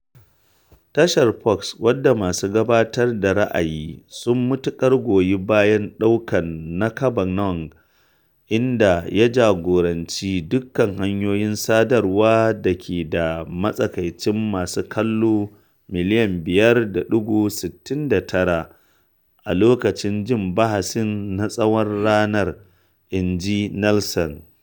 Tashar Fox News, wadda masu gabatar da ra’ayi sun matukar goyi bayan ɗaukan na Kavanaugh, inda ya jagoranci dukkan hanyoyin sadarwa da ke da matsakaicin masu kallo miliyan 5.69 a lokacin jin bahasin na tsawon ranar, inji Nielsen.